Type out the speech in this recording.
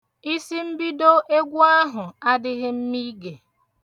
Isimbido egwu ahụ adịghị mma ige.